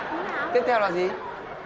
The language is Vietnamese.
tiếp theo là gì